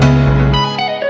nhiều